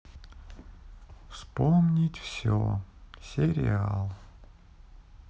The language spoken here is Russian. вспомнить все сериал